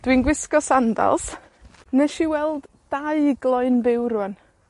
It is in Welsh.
Dwi'n gwisgo sandals. Wnesh i weld dau gloyn byw rŵan.